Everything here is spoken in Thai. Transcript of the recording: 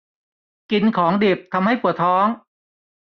กินของดิบทำให้ปวดท้อง